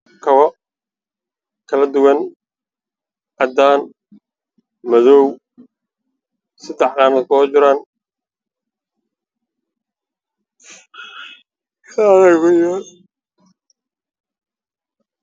Waa kabo iskifaalo saaran oo iib